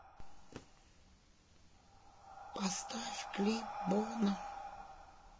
поставь клип боно